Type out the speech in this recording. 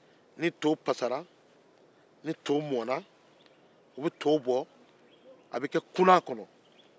ni to mɔna a bɛ bɔ k'a ke kunan kɔnɔ